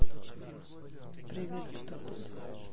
привет кто тут